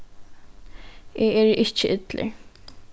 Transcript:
eg eri ikki illur